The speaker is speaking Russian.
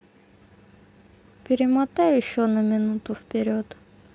перемотай еще на минуту вперед